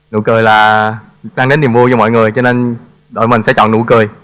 nụ cười là mang đến niềm vui cho mọi người cho nên đội mình sẽ chọn nụ cười